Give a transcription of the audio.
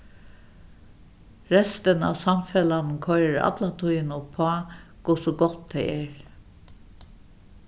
restin av samfelagnum koyrir alla tíðina upp á hvussu gott tað er